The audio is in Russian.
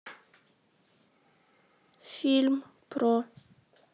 фильм про